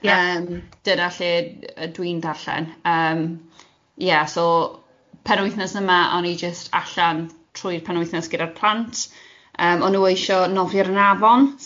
Ie. Yym dyna lle yy dwi'n darllen yym ie so penwythnos yma o'n i jyst allan trwy'r penwythnos gyda'r plant yym o'n nhw eisiau nofio'n yr afon,